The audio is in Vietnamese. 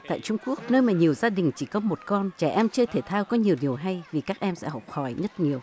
tại trung quốc nơi mà nhiều gia đình chỉ có một con trẻ em chơi thể thao có nhiều điều hay vì các em sẽ học hỏi nhất nhiều